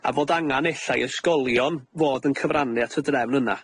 A bod angan ella i ysgolion fod yn cyfrannu at y drefn yna.